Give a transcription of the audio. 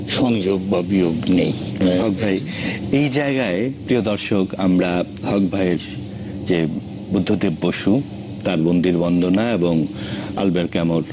সংযোগ বা বিয়োগ নেই হক ভাই এই জায়গায় প্রিয় দর্শক আমরা হক ভাইয়ের যে বুদ্ধদেব বসু তার বন্দীর বন্দনা এবংআলব্যের ক্যামুর